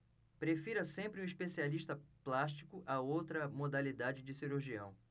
prefira sempre um especialista plástico a outra modalidade de cirurgião